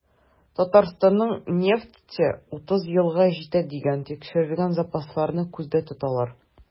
Татарстанның нефте 30 елга җитә дигәндә, тикшерелгән запасларны күздә тоталар.